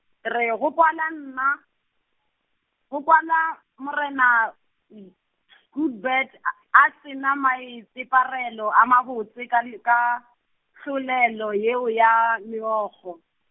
re go kwala nna, go kwala morena , good bad a se na maitseparelo a ma botse ka le kahlolelo yeo ya meokgo.